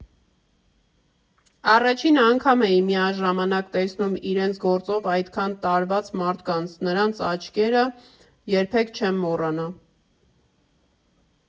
Առաջին անգամ էի միաժամանակ տեսնում իրենց գործով այդքան տարված մարդկանց, նրանց աչքերը երբեք չեմ մոռանա։